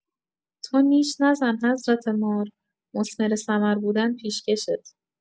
تو نیش نزن حضرت مار، مثمر ثمر بودن پیشکشت.